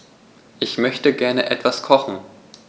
Ich möchte gerne etwas kochen.